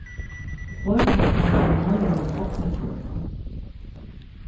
tveir pakkar av malnum oksakjøti